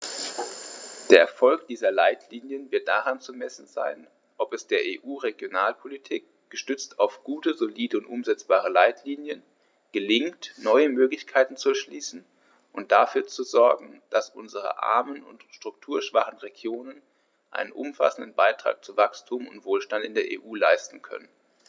Der Erfolg dieser Leitlinien wird daran zu messen sein, ob es der EU-Regionalpolitik, gestützt auf gute, solide und umsetzbare Leitlinien, gelingt, neue Möglichkeiten zu erschließen und dafür zu sogen, dass unsere armen und strukturschwachen Regionen einen umfassenden Beitrag zu Wachstum und Wohlstand in der EU leisten können.